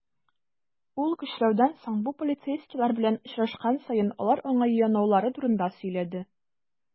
Ул, көчләүдән соң, бу полицейскийлар белән очрашкан саен, алар аңа янаулары турында сөйләде.